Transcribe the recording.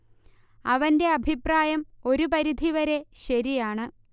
അവന്റെ അഭിപ്രായം ഒരു പരിധി വരെ ശരിയാണ്